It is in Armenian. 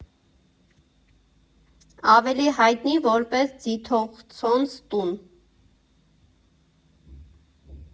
Ավելի հայտնի որպես Ձիթողցոնց տուն։